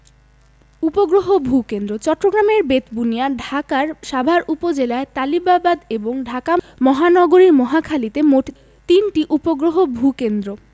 উপগ্রহ ভূ কেন্দ্রঃ চট্টগ্রামের বেতবুনিয়া ঢাকার সাভার উপজেলায় তালিবাবাদ এবং ঢাকা মহানগরীর মহাখালীতে মোট তিনটি উপগ্রহ ভূ কেন্দ্র